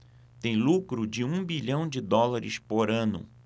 tem lucro de um bilhão de dólares por ano